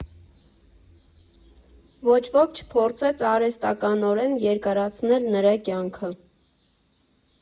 Ոչ ոք չփորձեց արհեստականորեն երկարացնել նրա կյանքը։